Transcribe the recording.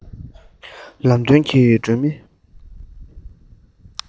ལམ སྟོན གྱི སྒྲོན མེ